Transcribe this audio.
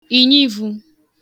ị̀nyaìivū